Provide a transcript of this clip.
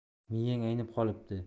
miyang aynib qolibdi